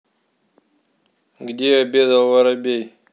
где обедал воробей